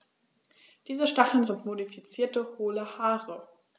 Diese Stacheln sind modifizierte, hohle Haare.